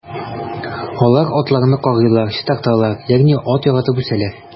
Алар атларны карыйлар, чистарталар, ягъни ат яратып үсәләр.